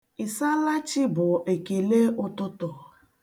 "Ịsaalachi" bụ ekele ụtụtụ.